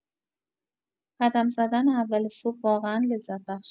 قدم زدن اول صبح واقعا لذت بخشه